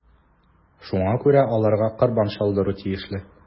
Шуңа күрә аларга корбан чалдыру тиешле.